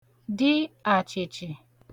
dị àchị̀chì